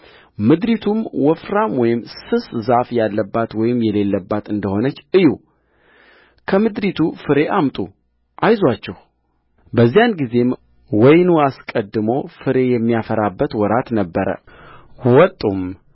ምድሪቱም ወፍራም ወይም ስስ ዛፍ ያለባት ወይም የሌለባት እንደ ሆነች እዩ ከምድሪቱ ፍሬ አምጡ አይዞአችሁ በዚያን ጊዜም ወይኑ አስቀድሞ ፍሬ የሚያፈራበት ወራት ነበረወጡም